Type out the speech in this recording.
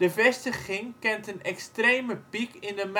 vestiging kent een extreme piek in de